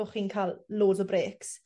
bo' chi'n ca'l loads o breaks.